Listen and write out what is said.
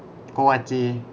โกวาจี